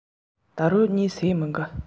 ད དུང གཉིད ལས སད མི འདུག